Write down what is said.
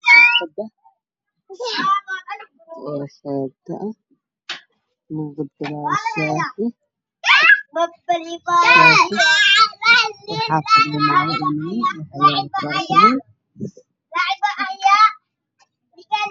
Waa caruur yaryar ah waxa ay ku ciyaarayaan guriga hortiisa waxa ay qabaan buumayaal gaduud ah iyo garamaatiyaal cadaan ah